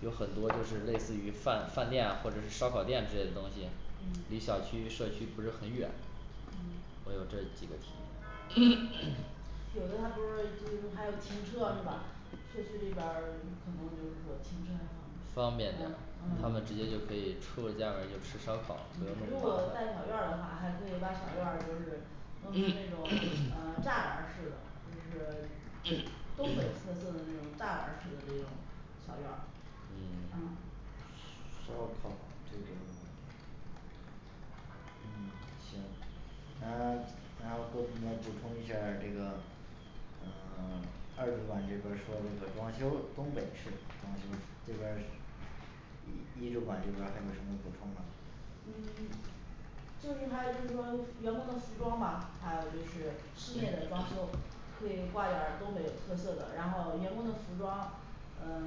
有很多就是类似于饭饭店啊或者是烧烤店之类的东西嗯离小区社区不是很远嗯我有这几个提议 有的他不是就是还有停车啊是吧社区这边儿可能就是说停车很方便方便的嗯他们嗯直接就可以出了家门儿就吃烧烤嗯如果带小院儿的话还可以把小院儿就是弄成那种嗯栅栏儿式的就是东北特色的那种栅栏式的这种小院儿嗯嗯烧烤这个嗯行咱然后各部门儿补充一下儿这个呃 二主管这边儿说这个装修东北式装修这边儿一一主管这边儿还有什么补充吗嗯就是还有就是说员工的服装吧还有就是室内的装修可以挂点儿东北有特色的然后员工的服装呃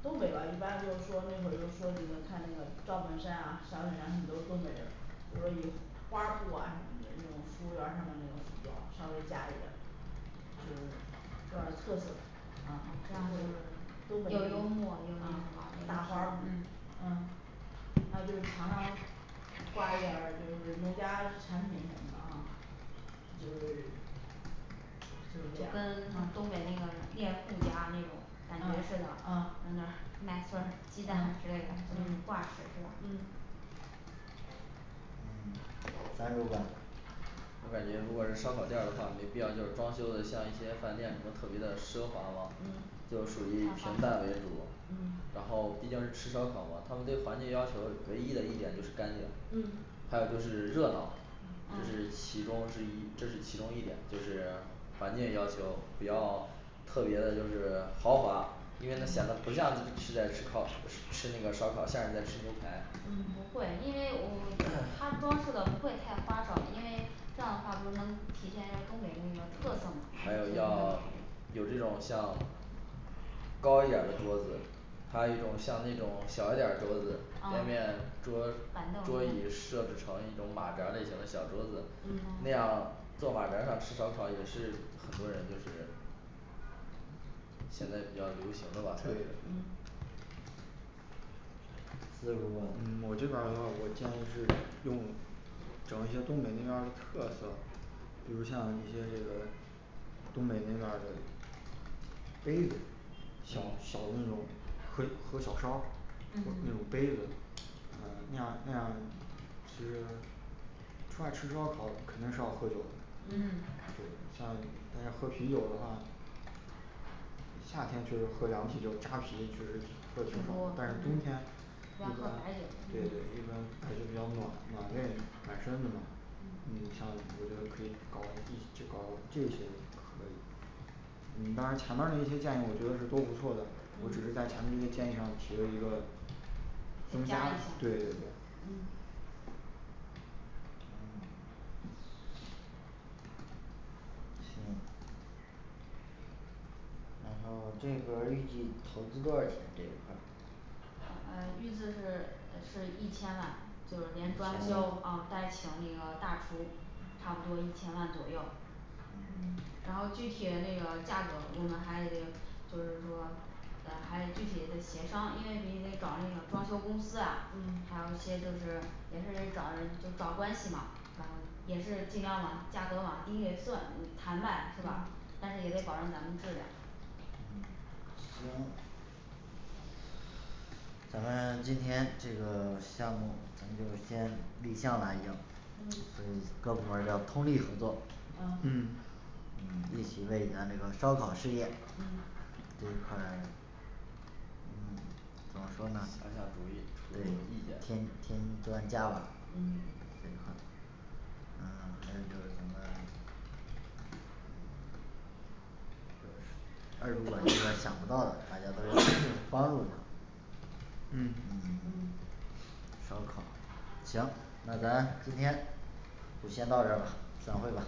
东北吧一般就是说那会儿就说那个看那个赵本山啊小沈阳他们都是东北人儿就是以花布啊什么的那种服务员儿他们那个服装稍微加一点儿就是有点儿特色啊这样嗯就东是北又幽默又那个什啊么那大花儿个布嗯嗯还有就是墙上挂一点儿就是农家产品什么的啊就是就是这就样跟啊东北那个猎户家那种感觉似啊的像嗯那麦穗儿鸡蛋之嗯类的那种嗯挂式是吧嗯嗯三主管我感觉如果是烧烤店儿的话没必要就是装修的像一些饭店什么特别的奢华嘛嗯就属于大平花淡为布主嗯然后毕竟是吃烧烤嘛他们对环境要求唯一的一点就是干净嗯还有就是热闹嗯这嗯是其中之一这是其中一点就是环境要求不要特别的就是豪华因为它显得不像是在吃烤吃吃这个烧烤像是在吃牛排 不会因为我 它装饰的不会太花哨因为这样的话不是能体现一个东北那嗯个特色嘛还有嗯那要样有这种像高一点儿的桌子还有一种像那种小一点儿桌子桌啊面桌板桌椅凳是吗设置成一种马扎类型的小桌子那嗯嗯样坐马扎上吃烧烤也是很多人就是现在比较流行的吧可算以是嗯四主管我这边儿的话我的建议是用找一些东北那边儿的特色比如像一些这个东北那边儿的杯子小小的那种喝喝小烧儿嗯那种杯子嗯那样那样其实碳吃烧烤肯定是要喝酒嗯对像像喝啤酒的话夏天就是喝凉啤酒扎啤就是多但是冬天一般喝白对酒对嗯一般白酒比较暖暖胃暖身子嘛嗯你像我觉得可以搞这搞这些可以嗯当然前面儿那些建议我觉得是都不错的我只是在嗯前面一个建议上提了这个再增加加一对项对对嗯嗯行那个然后这个预计投资多少钱这一块儿呃呃预支是呃是一千万就是连装修呃带请那个大厨差不多一千万左右嗯然后具体的那个价格我们还得就是说呃还得具体的协商因为必须得找那个装修公司啊嗯还有一些就是也是找人就找人就找关系嘛咱们也是尽量往价格往低嘞算嗯谈呗是吧嗯但是也得保证咱们质量嗯行咱们今天这个项目咱就先立项了已经所嗯以各部门儿要通力合作嗯嗯嗯一起为咱这个烧烤事业嗯这块儿嗯怎么说呢想想主意对出出意添见添砖加瓦嗯这一块儿嗯还有就是咱们呃二主管这个想不到的大家都要帮助她嗯嗯嗯烧烤行那咱今天就先到这儿吧散会吧